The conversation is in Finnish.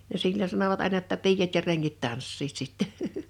ja silloin sanoivat aina jotta piiat ja rengit tanssivat sitten